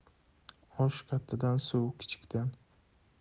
osh kattadan suv kichikdan